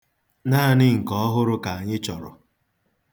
Naanị nke ọhụrụ ka anyị chọrọ.